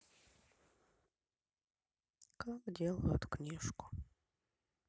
как делают книжку